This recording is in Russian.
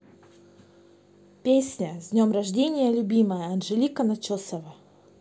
песня с днем рождения любимая анжелика начесова